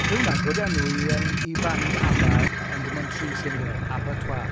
Bydde hwnna'n gwd enw i yym i fand ABBA, ond dim ond tri sy ynddo fe, Abbatoir